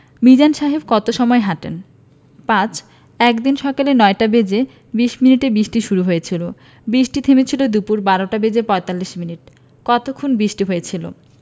মিজান সাহেব কত সময় হাঁটেন ১৪ একদিন সকালে ৯টা বেজে ২০ মিনিটে বৃষ্টি শুরু হয়েছিল বৃষ্টি থেমেছিল দুপুর ১২টা বেজে ৪৫ মিনিটে কতক্ষণ বৃষ্টি হয়েছিল